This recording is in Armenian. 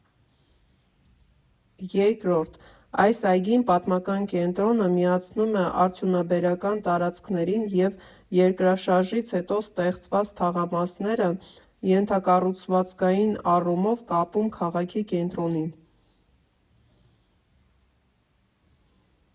Երկրորդ՝ այս այգին պատմական կենտրոնը միացնում է արդյունաբերական տարածքներին և երկրաշարժից հետո ստեղծված թաղամասերը ենթակառուցվածքային առումով կապում քաղաքի կենտրոնին։